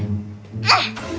nhà